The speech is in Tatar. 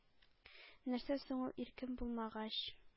Нәрсә соң ул, иркем булмагач,